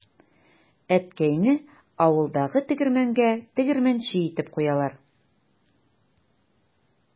Әткәйне авылдагы тегермәнгә тегермәнче итеп куялар.